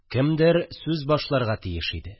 Кемдер сүз башларга тиеш иде